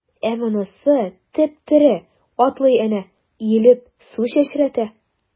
Ә монысы— теп-тере, атлый әнә, иелеп су чәчрәтә.